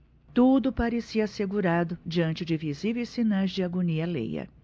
tudo parecia assegurado diante de visíveis sinais de agonia alheia